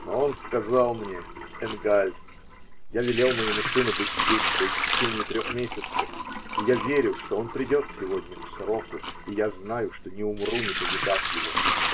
Но он сказал мне: "Энгаль, я велел моему сыну быть здесь по истечении трех месяцев, и я верю, что он придет сегодня к сроку, и я знаю, что не умру, не повидав его".